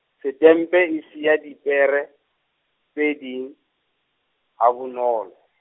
Setempe e siya dipere, tse ding, ha bonolo.